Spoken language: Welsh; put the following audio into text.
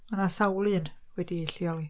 Mae 'na sawl un wedi'i lleoli.